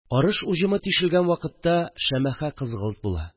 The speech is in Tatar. Арыш уҗымы тишелгән вакытта шәмәхә кызгылт була